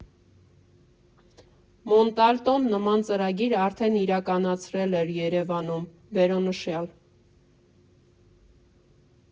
Մոնտալտոն նման ծրագիր արդեն իրականացրել էր Երևանում՝ վերոնշյալ։